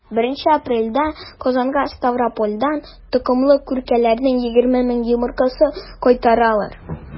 1 апрельдә казанга ставропольдән токымлы күркәләрнең 20 мең йомыркасын кайтаралар.